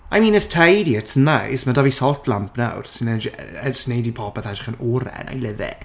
I mean, it's tidy, it's nice. Mae 'da fi salt lamp nawr, sy'n ne- j- sy jyst yn wneud i popeth edrych yn oren. I love it.